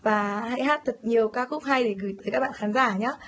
và hãy hát thật nhiều ca khúc hay để gửi tới các bạn khán giả nhá